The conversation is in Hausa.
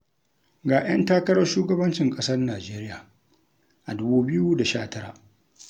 Ga 'yan takarar shugabancin ƙasar Najeriya a 2019